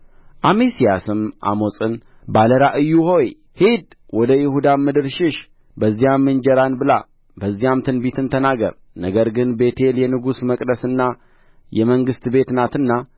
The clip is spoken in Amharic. አሜስያስም አሞጽን ባለ ራእዩ ሆይ ሂድ ወደ ይሁዳም ምድር ሽሽ በዚያም እንጀራን ብላ በዚያም ትንቢትን ተናገር ነገር ግን ቤቴል የንጉሥ መቅደስና የመንግሥት ቤት ናትና